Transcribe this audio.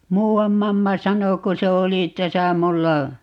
muuan mamma sanoi kun se oli tässä minulla